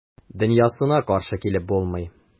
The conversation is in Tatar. Дөньясына каршы килеп булмый.